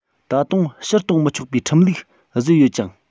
ད དུང ཕྱིར གཏོང མི ཆོག པའི ཁྲིམས ལུགས བཟོས ཡོད ཅིང